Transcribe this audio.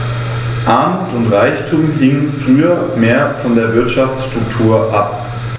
Armut und Reichtum hingen früher mehr von der Wirtschaftsstruktur ab.